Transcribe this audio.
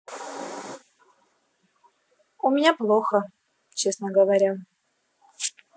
у меня плохо честно говоря